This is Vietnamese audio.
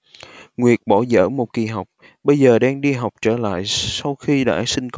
nguyệt bỏ dở một kì học bây giờ đang đi học trở lại sau khi đã sinh